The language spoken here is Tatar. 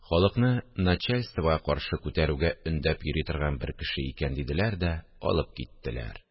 Халыкны начальствога каршы күтәрүгә өндәп йөри торган бер кеше икән диделәр дә алып киттеләр